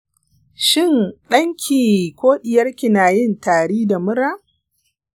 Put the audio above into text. shin ɗanki/ɗiyarki na yin tari da mura